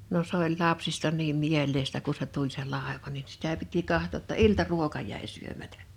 no se oli lapsista niin mieleistä kun se tuli se laiva niin sitä piti katsoa jotta iltaruoka jäi syömättä